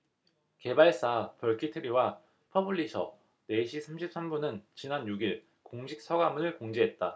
개발사 벌키트리와 퍼블리셔 네시삼십삼분은 지난 육 일 공식 사과문을 공지했다